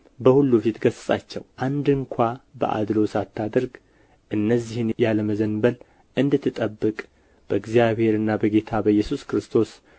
በሁሉ ፊት ገሥጻቸው አንድን እንኳ በአድልዎ ሳታደርግ እነዚህን ያለ መዘንበል እንድትጠብቅ በእግዚአብሔርና በጌታ በኢየሱስ ክርስቶስ